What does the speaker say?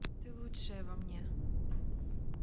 ты лучшее во мне